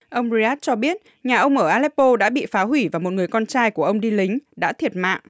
ông ri át cho biết nhà ông ở a lép po đã bị phá hủy và một người con trai của ông đi lính đã thiệt mạng